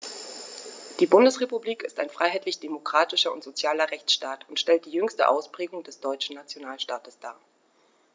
Die Bundesrepublik ist ein freiheitlich-demokratischer und sozialer Rechtsstaat und stellt die jüngste Ausprägung des deutschen Nationalstaates dar.